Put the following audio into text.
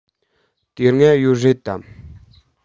དེ སྔ ཡོད རེད དམ